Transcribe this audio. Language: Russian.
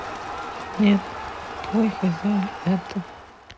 нет твой хозяин это